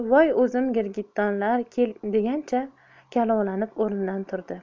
voy o'zim girgittonlar degancha kalovlanib o'rnidan turdi